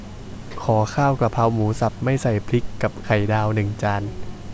ขอข้าวกะเพราหมูสับไม่ใส่พริกกับไข่ดาวหนึ่งจาน